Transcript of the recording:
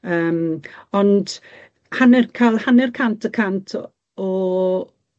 Yym ond hanner ca'l hanner cant y cant o o